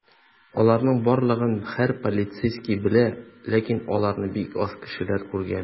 Аларның барлыгын һәр полицейский белә, ләкин аларны бик аз кешеләр күргән.